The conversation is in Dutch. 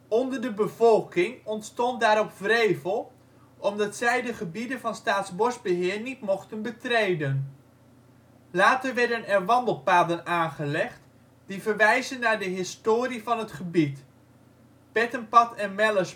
Onder de bevolking ontstond daarop wrevel omdat zij de gebieden van Staatsbosbeheer niet mochten betreden. Later werden er wandelpaden aangelegd die verwijzen naar de historie van het gebied (Pettenpad en Melle